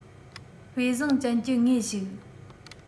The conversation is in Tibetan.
དཔེ བཟང ཅན གྱི ངོས ཞིག